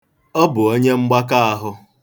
Ọ bụ onye mgbaka ahụ.